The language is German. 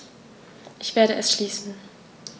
Ich werde es schließen.